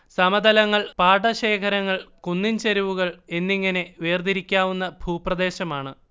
സമതലങ്ങൾ പാടശേഖരങ്ങൾ കുന്നിൻ ചരിവുകൾ എന്നിങ്ങനെ വേർതിരിക്കാവുന്ന ഭൂപ്രദേശമാണ്